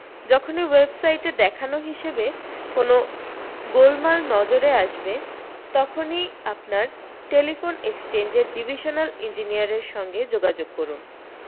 যখনি ওয়েবসাইটে দেখানো হিসেবে কোনও গোলমাল নজরে আসবে তখনই আপনার টেলিফোন এক্সচেঞ্জের ডিভিশনাল ইঞ্জিনিয়ারের সঙ্গে যোগাযোগ করুণ